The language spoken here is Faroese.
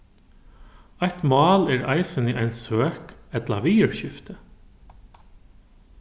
eitt mál er eisini ein søk ella viðurskifti